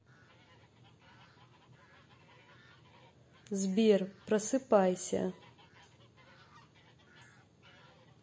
сбер просыпайся